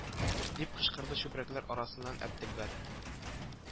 Дип кычкырды чүпрәкләр арасыннан әптелбәр